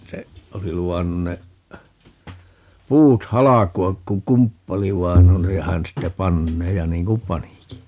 se oli luvannut ne puut halkoa kun kumppani vain on ja hän sitten panee ja niin kuin panikin